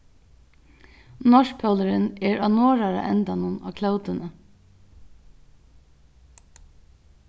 norðpólurin er á norðara endanum á klótuni